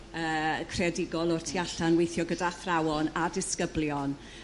yrr creadigol o'r tu allan weithio gyda athrawon a disgyblion